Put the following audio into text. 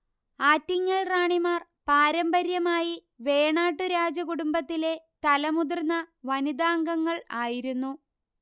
ആറ്റിങ്ങൽ റാണിമാർ പാരമ്പര്യമായി വേണാട്ടു രാജകുടുംബത്തിലെ തലമുതിർന്ന വനിതാംഗങ്ങൾ ആയിരുന്നു